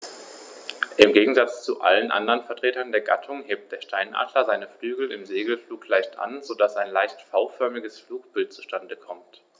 Im Gegensatz zu allen anderen Vertretern der Gattung hebt der Steinadler seine Flügel im Segelflug leicht an, so dass ein leicht V-förmiges Flugbild zustande kommt.